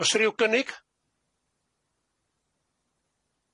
O's 'na ryw gynnig?